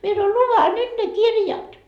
minä sanoin luehan nyt ne kirjat